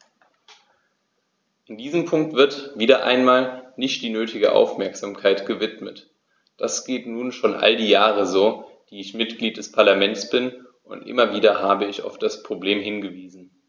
Diesem Punkt wird - wieder einmal - nicht die nötige Aufmerksamkeit gewidmet: Das geht nun schon all die fünf Jahre so, die ich Mitglied des Parlaments bin, und immer wieder habe ich auf das Problem hingewiesen.